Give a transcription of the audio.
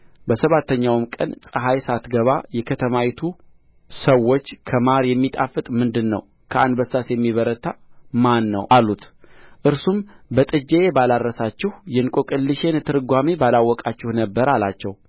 በሰባተኛውም ቀን ፀሐይ ሳትገባ የከተማይቱ ሰዎች ከማር የሚጣፍጥ ምንድር ነው ከአንበሳስ የሚበረታ ማን ነው አሉት እርሱም በጥጃዬ ባላረሳችሁ የእንቈቅልሼን ትርጓሜ ባላወቃችሁ ነበር አላቸው